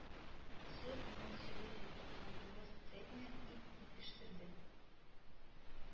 Сөт, мең сигез йөз туксан тугыз центнер ит итештерде